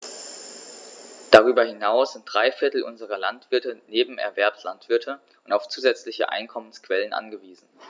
Darüber hinaus sind drei Viertel unserer Landwirte Nebenerwerbslandwirte und auf zusätzliche Einkommensquellen angewiesen.